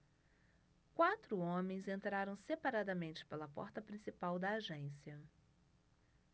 quatro homens entraram separadamente pela porta principal da agência